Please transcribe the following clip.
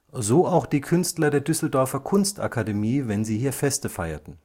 so auch die Künstler der Düsseldorfer Kunstakademie, wenn sie hier Feste feierten